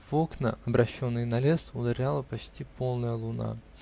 В окна, обращенные на лес, ударяла почти полная луна.